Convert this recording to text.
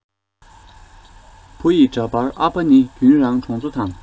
བུ ཡི འདྲ པར ཨ ཕ ནི རྒྱུན རང གྲོང ཚོ དང